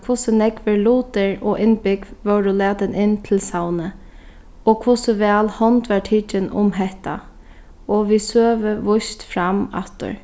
hvussu nógvir lutir og innbúgv vóru latin inn til savnið og hvussu væl hond var tikin um hetta og við søgu víst fram aftur